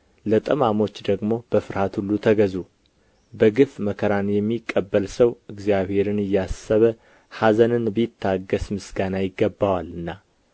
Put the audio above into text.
ለጠማሞች ደግሞ በፍርሃት ሁሉ ተገዙ በግፍ መከራን የሚቀበል ሰው እግዚአብሔርን እያሰበ ኃዘንን ቢታገሥ ምስጋና ይገባዋልና